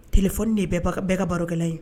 telephone bɛ bɛɛ ka baro kɛlan ye.